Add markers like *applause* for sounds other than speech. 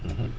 *hesitation* *hesitation*